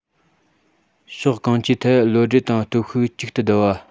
ཕྱོགས གང ཅིའི ཐད ཀྱི བློ གྲོས དང སྟོབས ཤུགས གཅིག ཏུ བསྡུ བ